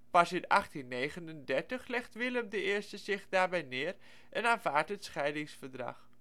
Pas in 1839 legt Willem I zich daarbij neer en aanvaardt het Scheidingsverdrag